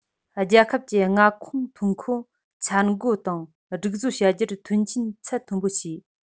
རྒྱལ ཁབ ཀྱི མངའ ཁོངས ཐོན ཁུངས འཆར འགོད དང སྒྲིག བཟོ བྱ རྒྱུར མཐོང ཆེན ཚད མཐོན པོ བྱས